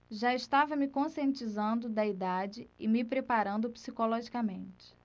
já estava me conscientizando da idade e me preparando psicologicamente